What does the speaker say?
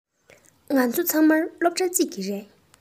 ང ཚོ ཚང མ སློབ གྲྭ གཅིག གི རེད